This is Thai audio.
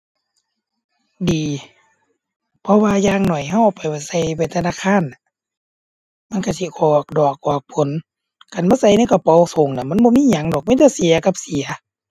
ดี เพราะว่าอย่างน้อยเราเผลอใส่ไว้ธนาคารน่ะมันเราสิออกดอกออกผล คันมาใส่ในกระเป๋าส้งน่ะมันบ่มีหยังดอก มีแต่เสียกับเสีย